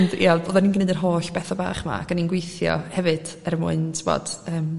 ond ia odda ni'n gneud yr holl betha bach 'ma ac oni'n gwithio hefyd er mwyn t'bod yym